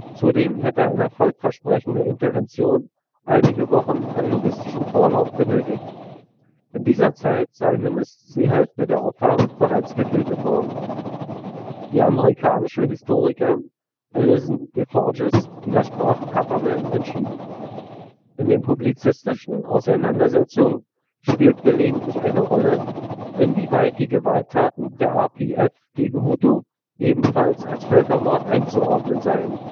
Zudem hätte eine erfolgversprechende Intervention einige Wochen an logistischem Vorlauf benötigt. In dieser Zeit seien mindestens die Hälfte der Opfer bereits getötet worden. Die amerikanische Historikerin Alison Des Forges widersprach Kuperman entschieden. In den publizistischen Auseinandersetzungen spielt gelegentlich eine Rolle, inwieweit die Gewalttaten der RPF gegen Hutu ebenfalls als Völkermord einzuordnen seien